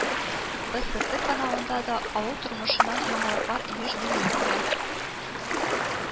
БэСэТэ каналында да авыл тормышыннан яңалыклар еш дөнья күрә